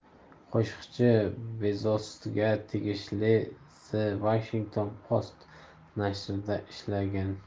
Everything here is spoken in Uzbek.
qoshiqchi bezosga tegishli the washington post nashrida ishlagan